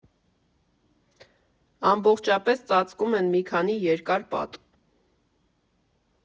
Ամբողջապես ծածկում են մի քանի երկար պատ։